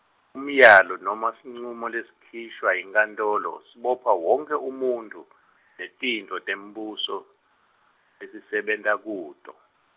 umyalo nome sincumo lesikhishwe yinkantolo, sibopha wonkhe umuntfu, netintfo tembuso, lesisebenta kuto.